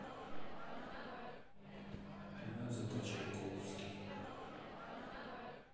музыка чайковский